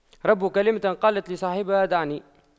رب كلمة قالت لصاحبها دعني